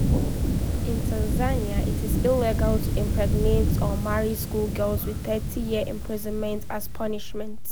In Tanzania, it is illegal to impregnate or marry schoolgirls with 30-year imprisonment as punishment.